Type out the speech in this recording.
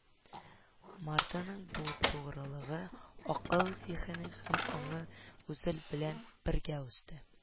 «марта»ның бу тугрылыгы, акыл, зиһене һәм аңы үзе белән бергә үсте